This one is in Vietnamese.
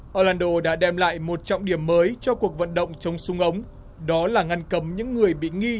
o lan đô đã đem lại một trọng điểm mới cho cuộc vận động trong súng ống đó là ngăn cấm những người bị nghi